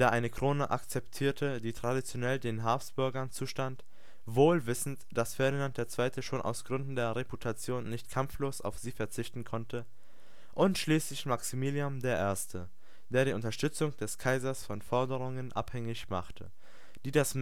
eine Krone akzeptierte, die traditionell den Habsburgern zustand, wohl wissend, dass Ferdinand II. schon aus Gründen der Reputation nicht kampflos auf sie verzichten konnte; und schließlich Maximilian I., der die Unterstützung des Kaisers von Forderungen abhängig machte, die das